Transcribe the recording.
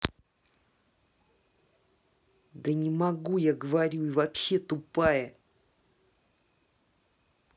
да не могу я говорю и вообще тупая